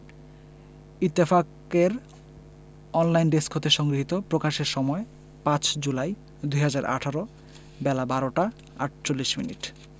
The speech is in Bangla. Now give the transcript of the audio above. ইত্তফাকের অনলাইন ডেস্ক হতে সংগৃহীত প্রকাশের সময় ৫ জুলাই ২০১৮ বেলা১২টা ৪৮ মিনিট